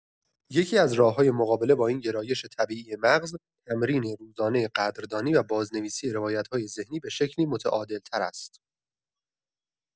یکی‌از راه‌های مقابله با این گرایش طبیعی مغز، تمرین روزانۀ قدردانی و بازنویسی روایت‌های ذهنی به شکلی متعادل‌تر است.